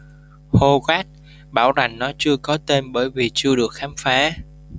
howard bảo rằng nó chưa có tên bởi vì chưa được khám phá